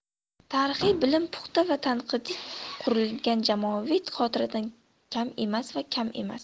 tarixiy bilim puxta va tanqidiy qurilgan jamoaviy xotiradan kam emas va kam emas